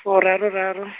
furaruraru.